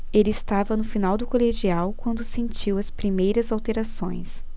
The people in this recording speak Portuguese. ele estava no final do colegial quando sentiu as primeiras alterações